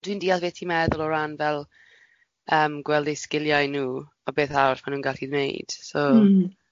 Dwi'n dialld bet ti'n meddwl o ran fel yym gweld eu sgiliau nhw a beth arall maen nhw'n gallu wneud. So hmm.